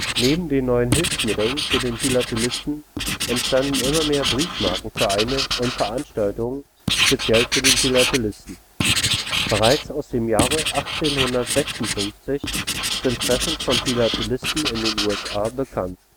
Neben den neuen Hilfsmitteln für den Philatelisten entstanden immer mehr Briefmarkenvereine und Veranstaltungen speziell für den Philatelisten. Bereits aus dem Jahre 1856 sind Treffen von Philatelisten in den USA bekannt